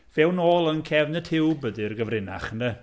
Fewn nôl yn cefn y tiwb ydy'r gyfrinach ynte.